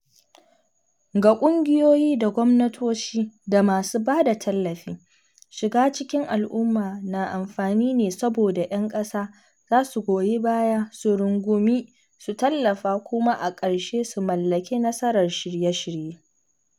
Ga kungiyoyi da gwamnatoci da masu ba da tallafi, shiga cikin al'umma na amfani ne saboda ‘yan ƙasa za su goyi baya, su rungumi, su tallafa, kuma a ƙarshe su mallaki nasarar shirye-shirye.